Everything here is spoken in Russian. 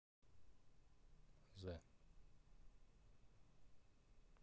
the